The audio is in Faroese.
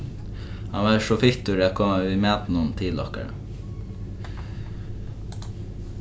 hann var so fittur at koma við matinum til okkara